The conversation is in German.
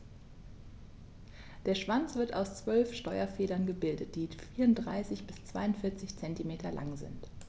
Der Schwanz wird aus 12 Steuerfedern gebildet, die 34 bis 42 cm lang sind.